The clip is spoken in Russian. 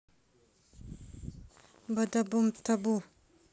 бадабум табу